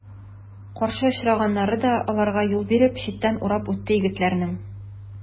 Каршы очраганнары да аларга юл биреп, читтән урап үтте егетләрнең.